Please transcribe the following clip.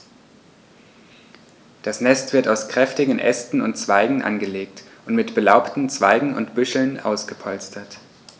Das Nest wird aus kräftigen Ästen und Zweigen angelegt und mit belaubten Zweigen und Büscheln ausgepolstert.